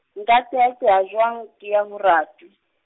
nka qeaqea jwang, ke ya ho ratu?